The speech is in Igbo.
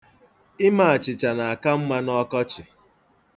Ime achịcha na-aka mma n'ọkọchị.